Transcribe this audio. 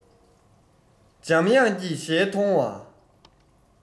འཇམ དབྱངས ཀྱི ཞལ མཐོང བ